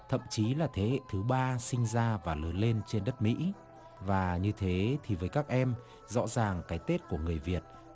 thậm chí là thế hệ thứ ba sinh ra và lớn lên trên đất mỹ và như thế thì với các em rõ ràng cái tết của người việt